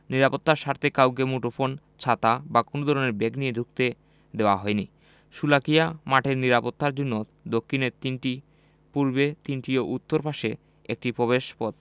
নিরাপত্তার স্বার্থে কাউকে মুঠোফোন ছাতা বা কোনো ধরনের ব্যাগ নিয়ে ঢুকতে দেওয়া হয়নি শোলাকিয়া মাঠের নিরাপত্তার জন্য দক্ষিণে তিনটি পূর্বে তিনটি এবং উত্তর পাশে একটি প্রবেশপথ